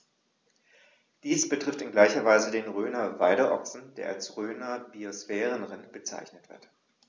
Dies betrifft in gleicher Weise den Rhöner Weideochsen, der auch als Rhöner Biosphärenrind bezeichnet wird.